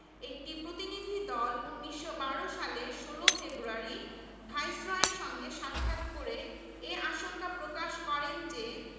জগন্নাথ কলেজের অধ্যক্ষ ললিতমোহন চট্টোপাধ্যায় ঢাকা মাদ্রাসার পরবর্তীকালে ইসলামিক ইন্টারমিডিয়েট কলেজ বর্তমান কাজী নজরুল সরকারি কলেজ